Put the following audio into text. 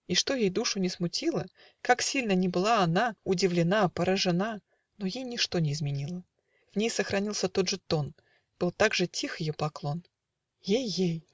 И что ей душу ни смутило, Как сильно ни была она Удивлена, поражена, Но ей ничто не изменило: В ней сохранился тот же тон, Был так же тих ее поклон. Ей-ей!